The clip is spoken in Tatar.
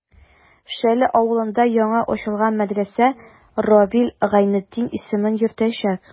Шәле авылында яңа ачылган мәдрәсә Равил Гайнетдин исемен йөртәчәк.